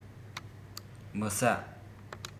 མི ཟ